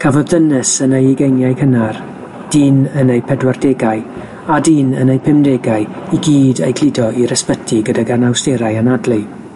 Cafodd dynes yn ei ugeiniau cynnar, dyn yn ei pedwardegau a dyn yn ei pumdegau i gyd eu gludo i'r ysbyty gydag anawsterau anadlu.